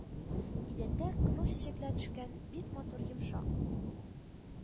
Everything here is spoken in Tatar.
Идәндә кызыл чәчәкләр төшкән бик матур йомшак